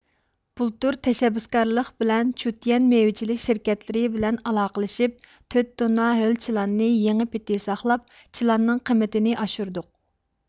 بۇلتۇر تەشەببۇسكارلىق بىلەن چۇتيەن مېۋىچىلىك شىركەتلىرى بىلەن ئالاقىلىشىپ تۆت توننا ھۆل چىلاننى يېڭى پىتى ساقلاپ چىلاننىڭ قىممىتىنى ئاشۇردۇق